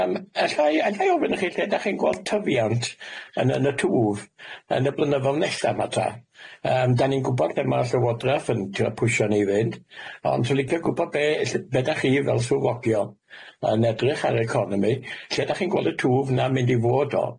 Yym alla i- alla i ofyn i chi lle dach chi'n gweld tyfiant yn yn y twf yn y blynyddoedd nesa ma ta yym dan ni'n gwbod be' ma'r llywodraeth yn t'bo' pwsio ni i fynd ond swni'n licio gwbod be' elly- be' dach chi fel swyddogion yn edrych ar y economi lle dach chi'n gweld y twf na'n mynd i fod o.